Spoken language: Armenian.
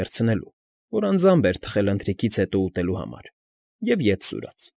Վերցնելու, որ անձամբ էր թխել «ընթրիքից հետո» ուտելու համար, և ետ սուրաց։